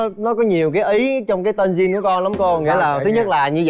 nó có nhiều cái ý trong cái tên gin của con lắm cô nghĩa là thứ nhất là như